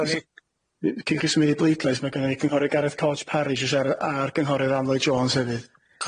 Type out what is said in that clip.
Gawn ni... Cyn chi symud i bleidlais ma' gynna i gynghorydd Gareth Codge Parry sho shara a'r cynghorydd Ann Lloyd Jones hefyd.